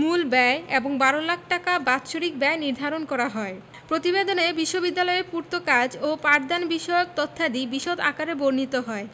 মূল ব্যয় এবং ১২ লাখ টাকা বাৎসরিক ব্যয় নির্ধারণ করা হয় প্রতিবেদনে বিশ্ববিদ্যালয়ের পূর্তকাজ ও পাঠদানবিষয়ক তথ্যাদি বিশদ আকারে বর্ণিত হয়